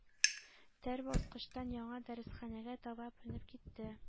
Тар баскычтан яңа дәресханәгә таба менеп китте.